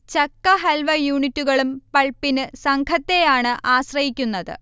ചക്ക ഹൽവ യൂണിറ്റുകളും പൾപ്പിന് സംഘത്തെയാണ് ആശ്രയിക്കുന്നത്